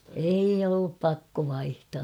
ei ollut pakko vaihtaa